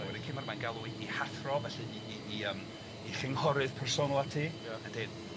A wedyn cyn ma' mae'n galw 'i 'i hathro felly 'i 'i 'i yym 'i chynghorydd personol ati. Ia. A'n deud